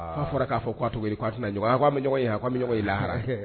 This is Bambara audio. ' fɔra k'a fɔ ko' tɛna a a ɲɔgɔn ye lahara